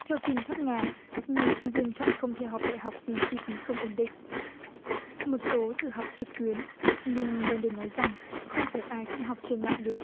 theo phim thắp nga nhiều sinh viên chọn không theo học đại học phí chi phí không ổn định một số thử học trực tuyến nhưng ren đừn nói rằng không phải ai cũng học trên mạng được